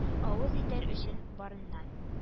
Авыз итәр өчен барыннан